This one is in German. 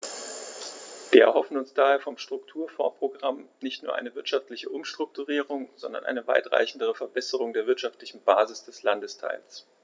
Wir erhoffen uns daher vom Strukturfondsprogramm nicht nur eine wirtschaftliche Umstrukturierung, sondern eine weitreichendere Verbesserung der wirtschaftlichen Basis des Landesteils.